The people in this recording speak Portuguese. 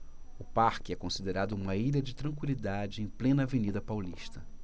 o parque é considerado uma ilha de tranquilidade em plena avenida paulista